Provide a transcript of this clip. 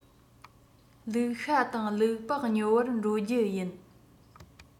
ལུག ཤ དང ལུག ལྤགས ཉོ བར འགྲོ རྒྱུ ཡིན